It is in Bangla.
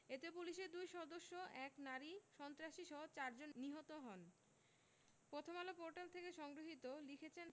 এতে পুলিশের দুই সদস্য এক নারী সন্ত্রাসীসহ চারজন নিহত হন প্রথমআলো পোর্টাল হতে সংগৃহীত লিখেছেন